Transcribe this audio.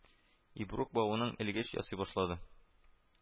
Ибрук бавыннан элгеч ясый башлады